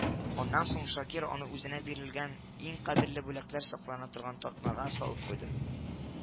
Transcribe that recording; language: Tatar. Аннан соң Шакир аны үзенә бирелгән иң кадерле бүләкләр саклана торган тартмага салып куйды